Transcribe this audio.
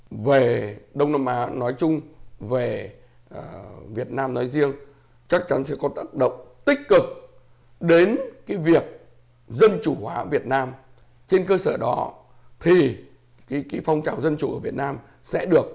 về đông nam á nói chung về ờ việt nam nói riêng chắc chắn sẽ có tác động tích cực đến cái việc dân chủ hóa việt nam trên cơ sở đó thì cái cái phong trào dân chủ ở việt nam sẽ được